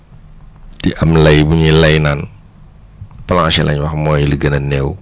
di am lay bu ñuy lay naan planché lañ wax mooy li gën a néew